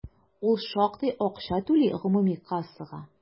Ул шактый акча түли гомуми кассага.